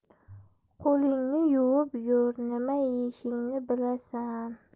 qo'lingni yuvib yur nima yeyishingni bilasan